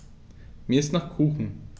Mir ist nach Kuchen.